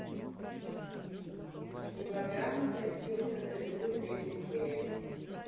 мелодрама тростинка на ветру третья серия